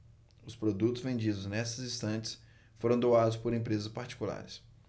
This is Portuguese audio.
os produtos vendidos nestas estantes foram doados por empresas particulares